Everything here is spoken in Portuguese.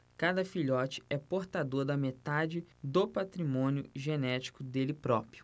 cada filhote é portador da metade do patrimônio genético dele próprio